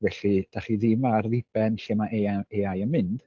Felly dach chi ddim ar ddiben lle ma' AI yn mynd.